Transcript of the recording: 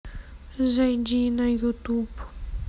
зайди на ютуб